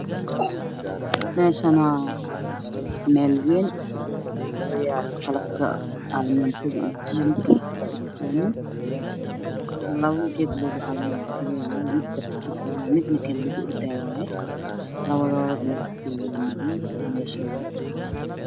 Meeshan waa qol waxaa yaalo alaabta jiimka kadoodu yahay madow falka kalarkiisu waa qaxwi biyo biyo ah